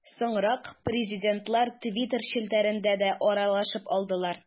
Соңрак президентлар Twitter челтәрендә дә аралашып алдылар.